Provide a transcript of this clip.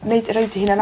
neud i roid 'u hunan...